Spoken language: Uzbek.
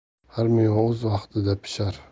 har meva o'z vaqtida pishar